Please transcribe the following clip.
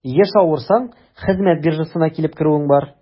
Еш авырсаң, хезмәт биржасына килеп керүең бар.